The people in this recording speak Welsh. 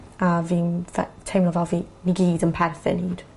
A fi'n fe- teimlo fel fi ni gyd yn perthyn fem the tamlafo i ni gyd yn perthyn